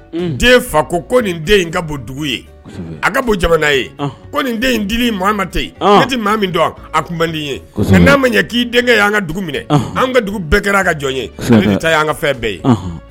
Den fa ko ko nin den in ka bon dugu e, a ka bon jamana ye , ko nin den in dili maa man ten, i tɛ maa min dɔon, a tun man di n ye nka n'a ma ɲɛ k'i denkɛ ye an ka dugu minɛ, a ka dugu bɛɛ kɛra a ka jɔn ye, a ta ye an ka fɛn bɛɛ ye.